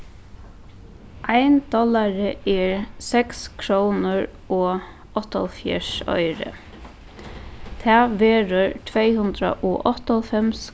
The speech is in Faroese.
ein dollari er seks krónur og áttaoghálvfjerðs oyru tað verður tvey hundrað og áttaoghálvfems